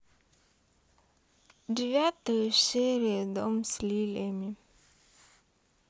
девятую серию дом с лилиями